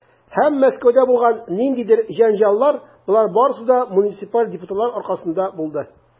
Һәм Мәскәүдә булган ниндидер җәнҗаллар, - болар барысы да муниципаль депутатлар аркасында булды.